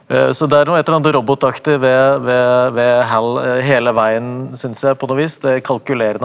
så det er noe et eller annet robotaktig ved ved ved Hal hele veien syns jeg på noe vis det kalkulerende.